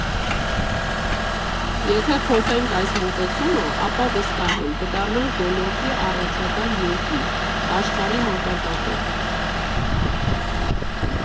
Եթե փոխենք այս մոտեցումը, ապա, վստահ եմ, կդառնանք ոլորտի առաջատար երկիր՝ աշխարհի մակարդակով։